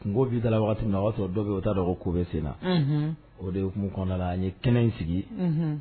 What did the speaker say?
Kunka bi dala waati min o ya sɔrɔ dɔw be yen u ta dɔn ko bi sen na .O de hokumu kɔnɔna la ye kɛnɛ in sigi